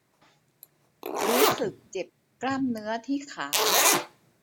รู้สึกเจ็บกล้ามเนื้อที่ขา